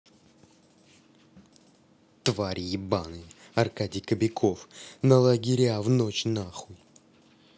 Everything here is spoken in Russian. твари ебаные аркадий кобяков на лагеря в ночь нахуй